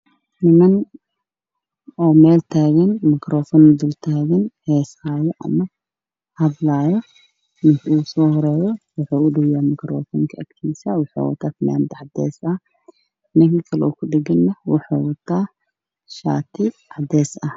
Meeshaan waxaa iiga muuqda niman heesayo oo mid uu wata fanaanad yaalla ah mid shaati waana waqtigii dowladda kacaanka ah